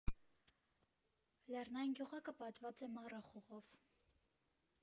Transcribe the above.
Լեռնային գյուղակը պատված է մառախուղով։